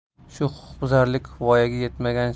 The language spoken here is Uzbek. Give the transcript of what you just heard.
shu huquqbuzarlik voyaga yetmagan